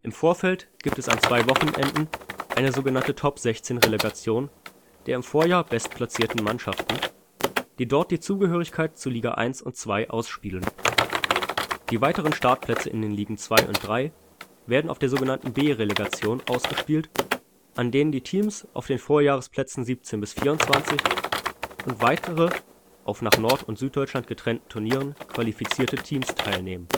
Vorfeld gibt es an zwei Wochenenden eine sog. Top-16-Relegation der im Vorjahr bestplatzierten Mannschaften, die dort die Zugehörigkeit zu Liga 1 und 2 ausspielen. Die weiteren Startplätze in den Ligen 2 und 3 werden auf der sog. B-Relegation ausgespielt, an denen die Teams auf den Vorjahresplätzen 17-24 und weitere, auf nach Nord - und Süddeutschland getrennten Turnieren qualifizierte Teams teilnehmen